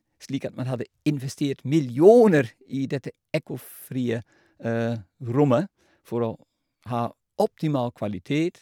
Slik at man hadde investert millioner i dette ekkofrie rommet for å ha optimal kvalitet.